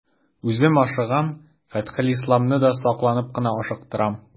Үзем ашыгам, Фәтхелисламны да сакланып кына ашыктырам.